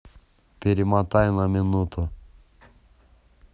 перемотай на минуту